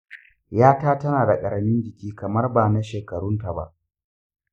yata tana da karamin jiki kamar ba na shekarun ta ba.